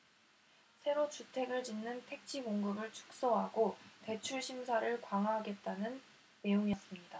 새로 주택을 짓는 택지공급을 축소하고 대출 심사를 강화하겠다는 내용이었습니다